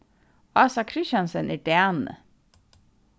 ása christiansen er dani